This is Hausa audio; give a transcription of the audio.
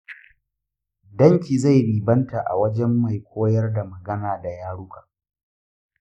danki zai ribanta a wajen mai koyar da magana da yaruka.